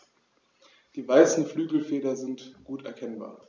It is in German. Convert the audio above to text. Die weißen Flügelfelder sind gut erkennbar.